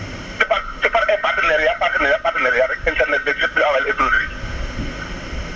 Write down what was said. si par si par ay partenariats partenariat partenariat rek internet beeg fépp ñu awale ay produits